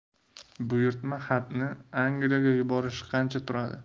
buyurtma xatni angliyaga yuborish qancha turadi